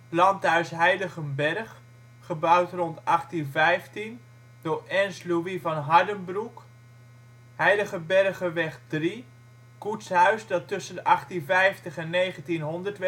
Landhuis Heiligenberg, gebouwd rond 1815 door Ernst Louis van Hardenbroek Landhuis Heiligenberg Heiligenbergerweg 3, koetshuis dat tussen 1850 en 1900 werd